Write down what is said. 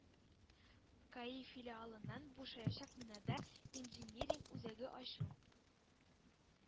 Каи филиалыннан бушаячак бинада инжиниринг үзәге ачу